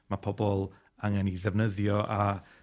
ma' pobol angen 'i ddefnyddio a